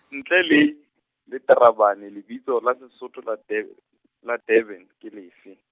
ntle le, le Tarabane lebitso la Sesotho la Du-, la Durban, ke lefe?